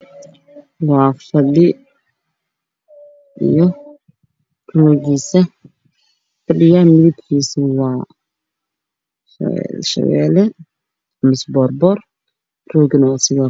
Waa fadhi io roog midabkode waa shabeel